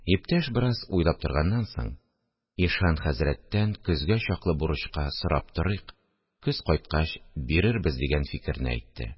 Иптәш, бераз уйлап торганнан соң: – Ишан хәзрәттән көзгә чаклы бурычка сорап торыйк, көз кайткач бирербез, – дигән фикерне әйтте